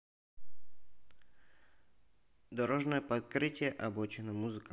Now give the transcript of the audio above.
дорожное покрытие обочина музыка